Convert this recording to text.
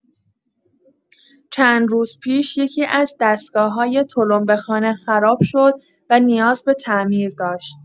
چند روز پیش یکی‌از دستگاه‌های تلمبه‌خانه خراب شد و نیاز به تعمیر داشت.